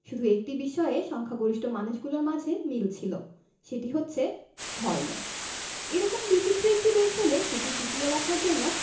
শুধু একটি বিষয়ে সংখ্যাগরিষ্ঠ মানুষগুলোর মাঝে মিল ছিল⎯ সেটি হচ্ছে ধর্ম এরকম বিচিত্র একটি দেশ হলে সেটি টিকিয়ে রাখার জন্য